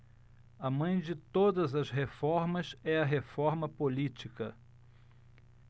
a mãe de todas as reformas é a reforma política